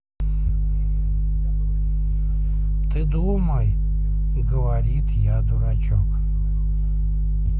не думай говорит я дурачок